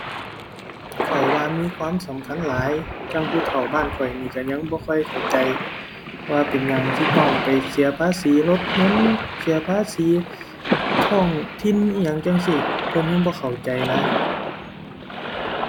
ข้อยว่ามีความสำคัญหลาย จั่งผู้เฒ่าบ้านข้อยนี่ก็ยังบ่ค่อยเข้าใจ ว่าเป็นหยังสิต้องไปเสียภาษีรถยนต์ เสียภาษีท้องถิ่นอิหยังจั่งซี้ เพิ่นยังบ่เข้าใจนะ